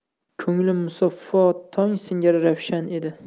ko'nglim musaffo tong singari ravshan edi